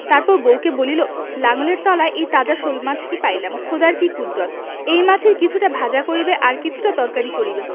তারপর বউকে বলিল লাঙলের তলায় এই তাজা শোলমাছটি পাইলাম খোদার কি কুদরত এই মাছের কিছুটা ভাজা করিবে আর কিছুটা তরকারি করিবে